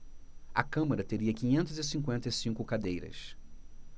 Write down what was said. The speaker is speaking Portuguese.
a câmara teria quinhentas e cinquenta e cinco cadeiras